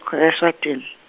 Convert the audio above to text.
kwa eSwatini.